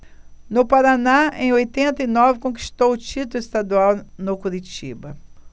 no paraná em oitenta e nove conquistou o título estadual no curitiba